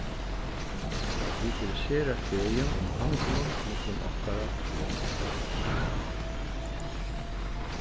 vit eru sera fegin um handilin millum okkara lond